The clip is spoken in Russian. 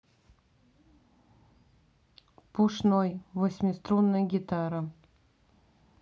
пушной восьмиструнная гитара